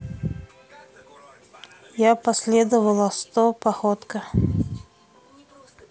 я последовала сто походка